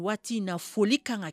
Waati in na foli kan ka